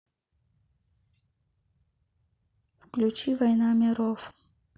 включи война миров